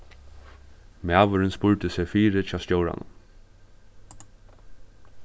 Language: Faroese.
maðurin spurdi seg fyri hjá stjóranum